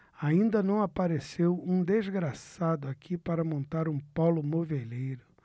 ainda não apareceu um desgraçado aqui para montar um pólo moveleiro